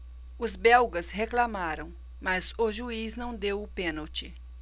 os belgas reclamaram mas o juiz não deu o pênalti